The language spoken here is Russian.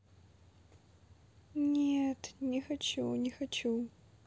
нет не хочу не хочу